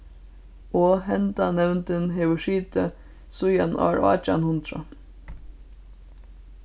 og henda nevndin hevur sitið síðan ár átjan hundrað